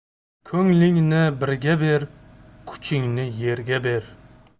ko'nglingni birga ber kuchingni yerga ber